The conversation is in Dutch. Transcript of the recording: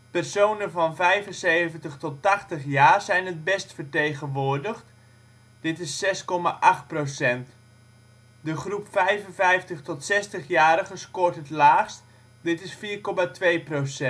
Personen van 75 tot 80 jaar zijn het best vertegenwoordigd (6,8 %). De groep 55-60 jarigen scoort het laagst (4,2 %